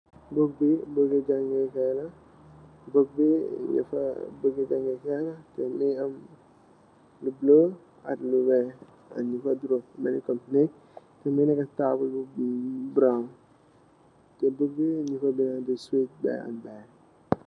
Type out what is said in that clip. Book bii bookgui jaangeh kaii la, book bii nju fa book gui jaangeh kaii la teh mungy am lu bleu ak lu wekh, teh njung fa draw benue cupleh lu daey neka cii taabul bu brown teh book bii njung fa binda the sweet tie and dye.